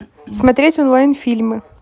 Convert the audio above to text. смотреть онлайн фильмы